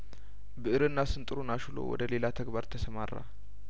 ብእርና ስንጥሩን አሹ ሎ ወደ ሌላ ተግባር ተሰማራ